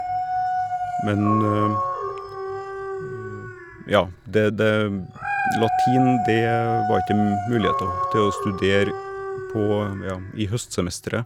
Men, ja, det det latin det var itj det m muligheter til å studere, på ja, i høstsemesteret.